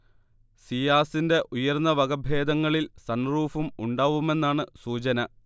സിയാസിന്റെ ഉയർന്ന വകഭേദങ്ങളിൽ സൺറൂഫും ഉണ്ടാവുമെന്നാണ് സൂചന